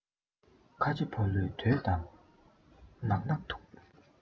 ཁ ཆེ ཕ ལུའི འདོད དང སྣག སྨྱུག ཐུག